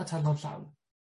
atalnod llawn.